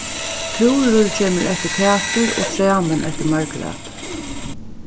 kúrur kemur eftir kæti og tramin eftir marglæti